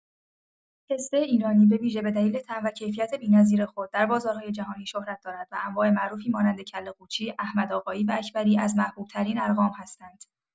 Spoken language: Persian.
پسته ایرانی به‌ویژه به دلیل طعم و کیفیت بی‌نظیر خود در بازارهای جهانی شهرت دارد و انواع معروفی مانند کله‌قوچی، احمدآقایی و اکبری از محبوب‌ترین ارقام هستند.